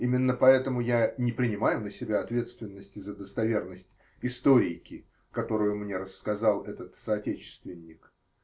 Именно поэтому я не принимаю на себя ответственности за достоверность "историйки", которую мне рассказал этот соотечественник.